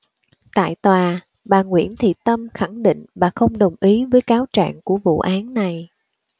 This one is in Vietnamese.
tại tòa bà nguyễn thị tâm khẳng định bà không đồng ý với cáo trạng của vụ án này